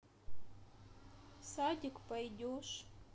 в садик пойдешь